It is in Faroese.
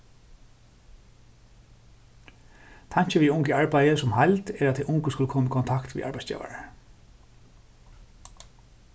tankin við ung í arbeiði sum heild er at tey ungu skulu koma í kontakt við arbeiðsgevarar